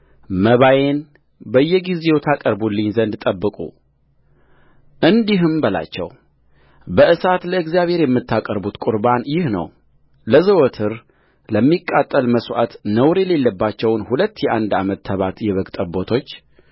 መባዬን በየጊዜው ታቀርቡልኝ ዘንድ ጠብቁእንዲህም በላቸው በእሳት ለእግዚአብሔር የምታቀርቡት ቍርባን ይህ ነው ለዘወትር ለሚቃጠል መሥዋዕት ነውር የሌለባቸውን ሁለት የአንድ ዓመት ተባት የበግ ጠቦቶች